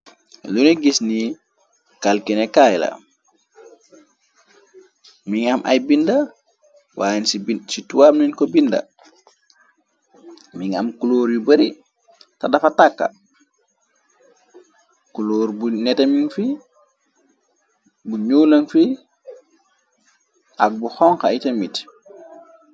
Lunu gis ni kalkine kaayla mi ng am ay binda waayen ci tuwarnin ko binda mi ngam kulóor yu bari te dafa tàkka kuloor bu netamin fi bu nuunan fi ak bu xonka aytamit.